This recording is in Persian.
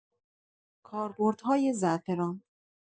کاربردهای زعفران